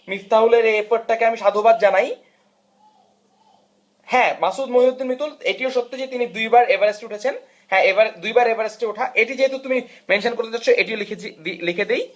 মিফতাহুল এর এফর্ট টাকে আমি সাধুবাদ জানাই হ্যাঁ মাসুদ মহিউদ্দিন মিতুল এটিও সত্যি যে উনি দুইবার এভারেস্ট উঠেছেন হ্যাঁ দুইবার এভারেস্ট উঠা এটি যেহেতু তুমি মেনশন করে যাচ্ছ এটিও লিখেছি লিখে দেই